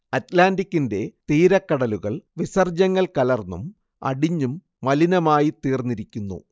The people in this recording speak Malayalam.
അറ്റ്ലാന്റിക്കിന്റെ തീരക്കടലുകൾ വിസർജ്യങ്ങൾ കലർന്നും അടിഞ്ഞും മലിനമായിത്തീർന്നിരിക്കുന്നു